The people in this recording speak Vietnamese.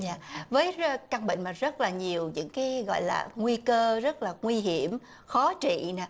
dạ với căn bệnh mà rất là nhiều những cái gọi là nguy cơ rất là nguy hiểm khó trị nè